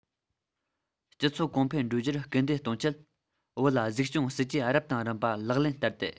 སྤྱི ཚོགས གོང འཕེལ འགྲོ རྒྱུར སྐུལ འདེད གཏོང ཆེད བོད ལ གཟིགས སྐྱོང སྲིད ཇུས རབ དང རིམ པ ལག ལེན བསྟར ཏེ